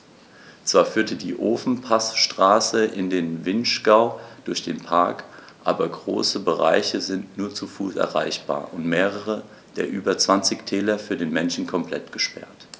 Zwar führt die Ofenpassstraße in den Vinschgau durch den Park, aber große Bereiche sind nur zu Fuß erreichbar und mehrere der über 20 Täler für den Menschen komplett gesperrt.